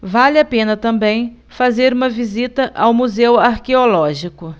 vale a pena também fazer uma visita ao museu arqueológico